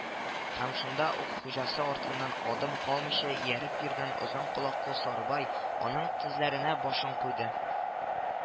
Һәм шунда ук хуҗасы артыннан адым калмыйча ияреп йөргән озын колаклы Сарбай аның тезләренә башын куйды